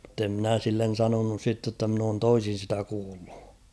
mutta en minä sille sanonut sitten jotta minä olen toisin sitä kuullut